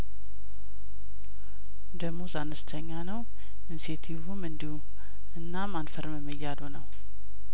ደሞዝ አነስተኛ ነው ኢንሴቲቩም እንዲሁ እናም አንፈርምም እያሉ ነው